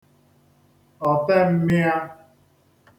ọ̀temmịā